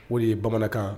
O de ye bamanankan